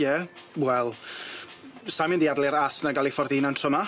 Ie, wel sai'n mynd i ardal i'r ast na'n ga'l i ffordd i hunnan tro ma'.